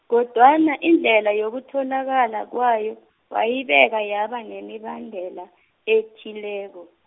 kodwana indlela yokutholakala kwayo, wayibeka yaba nemibandela, ethileko.